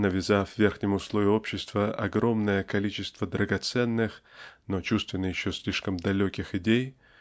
навязав верхнему слою общества огромное количество драгоценных но чувственно еще слишком далеких идей